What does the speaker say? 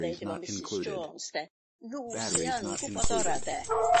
...ddeud efo Misys Jones 'de nhw sy yn gwbod ora' 'de?